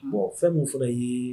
Bon fɛn min fana ye